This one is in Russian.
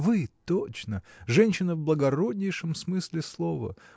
Вы, точно, женщина в благороднейшем смысле слова